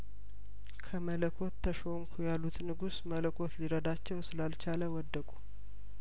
ከመለኮት ተሾም ኩ ያሉትንጉስ መለኮት ሊረዳቸው ስለአልቻለወደቁ